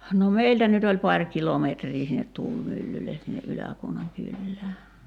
no meiltä nyt oli pari kilometriä sinne tuulimyllylle sinne Ylä-Kuonan kylään